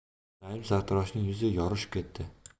naim sartaroshning yuzi yorishib ketdi